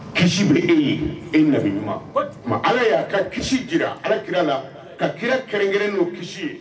Kisi be yen. E nabi ɲuman Ala ya ka kisi yira Alakira la ka kira kɛrɛnkɛrɛn no kisi ye.